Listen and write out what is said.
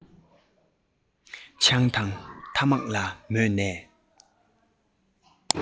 ཆང དང ཐ མག ལ མོས ནས